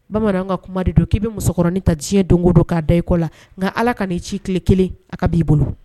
Bamanan ka kuma de don k'i bɛ musokin ta diɲɛ donko don k'a da ikɔ la nka ala ka nin i ci tile kelen a ka b' ii bolo